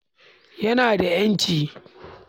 Yana da 'yanci.